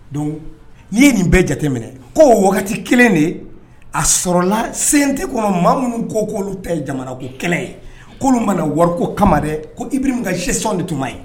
Don n'i ye nin bɛɛ jateminɛ koo wagati kelen de a sɔrɔla se tɛ ko ma maa minnu ko'olu ta ye jamana ko kɛlɛ ye koolu mana wari ko kama dɛ kob sisɔn de tun ma ye